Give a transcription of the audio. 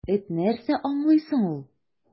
Эт нәрсә аңлый соң ул!